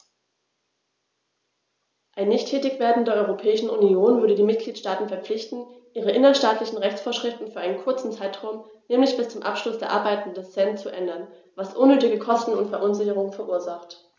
Ein Nichttätigwerden der Europäischen Union würde die Mitgliedstaten verpflichten, ihre innerstaatlichen Rechtsvorschriften für einen kurzen Zeitraum, nämlich bis zum Abschluss der Arbeiten des CEN, zu ändern, was unnötige Kosten und Verunsicherungen verursacht.